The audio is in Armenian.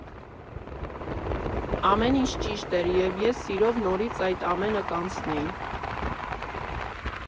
Ամեն ինչ ճիշտ էր, և ես սիրով նորից այդ ամենը կանցնեի։